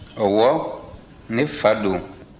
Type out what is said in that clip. ɔwɔ ne fa don